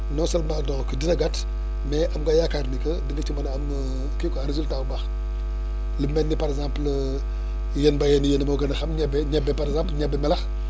non seulement donc dina gàtt mais am nga yaakaar ni que dina ci mën a am kii quoi résultat bu baax lu mel ni par exemple yeen mbayeen yi yéen a ma gën a xam ñebe ñebe par exemple ñebe melax